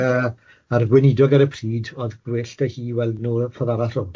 yy a'r gweinidog ar y pryd o'dd gwell 'da hi weld n'w y ffor arall rownd.